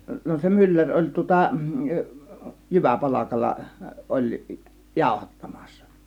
no se mylläri oli tuota jyväpalkalla oli jauhattamassa